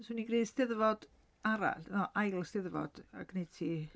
'Swn i'n creu 'Steddfod arall, o ail 'Steddfod a gwneud hi...